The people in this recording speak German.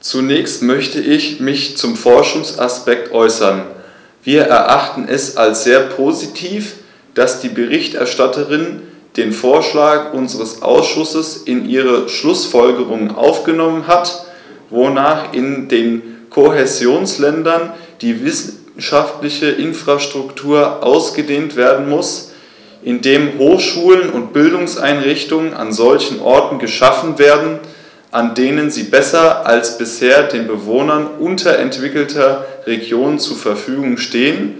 Zunächst möchte ich mich zum Forschungsaspekt äußern. Wir erachten es als sehr positiv, dass die Berichterstatterin den Vorschlag unseres Ausschusses in ihre Schlußfolgerungen aufgenommen hat, wonach in den Kohäsionsländern die wissenschaftliche Infrastruktur ausgedehnt werden muss, indem Hochschulen und Bildungseinrichtungen an solchen Orten geschaffen werden, an denen sie besser als bisher den Bewohnern unterentwickelter Regionen zur Verfügung stehen,